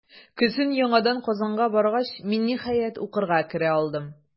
Көзен яңадан Казанга баргач, мин, ниһаять, укырга керә алдым.